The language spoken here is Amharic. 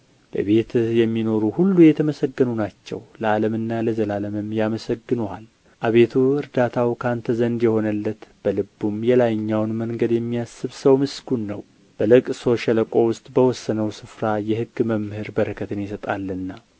በቤትህ የሚኖሩ ሁሉ የተመሰገኑ ናቸው ለዓለምና ለዘላለምም ያመሰግኑሃል አቤቱ እርዳታው ከአንተ ዘንድ የሆነለት በልቡም የላይኛውን መንገድ የሚያስብ ሰው ምስጉን ነው በልቅሶ ሸለቆ ውስጥ በወሰነው ስፍራ የሕግ መምህር በረከትን ይሰጣልና